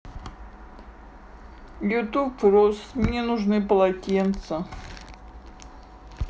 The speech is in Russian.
youtube frost мне нужны полотенца